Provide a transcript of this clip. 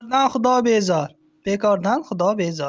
bekordan xudo bezor